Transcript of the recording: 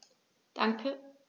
Danke.